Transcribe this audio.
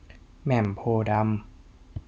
แหม่มโพธิ์ดำ